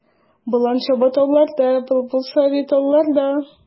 Болан чаба тауларда, былбыл сайрый талларда.